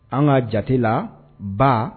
An' ŋa jate la baa